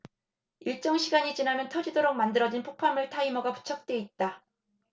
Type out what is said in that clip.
일정 시간이 지나면 터지도록 만들어진 폭발물 타이머가 부착돼 있다